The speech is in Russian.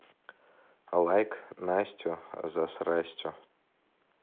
лайк настю засрастю